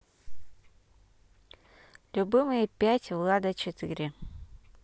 любимые пять влада четыре